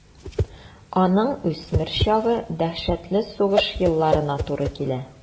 Аның үсмер чагы дәһшәтле сугыш елларына туры килә.